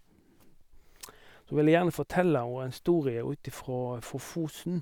Så vil jeg gjerne fortelle o en storie ut ifra fra Fosen.